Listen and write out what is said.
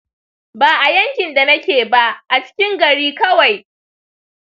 ba a yankin da nake ba, a cikin gari kawai.